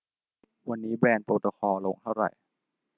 วันนี้แบรนด์โปรโตคอลลงเท่าไหร่